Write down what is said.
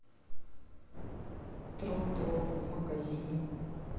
тро тро в магазине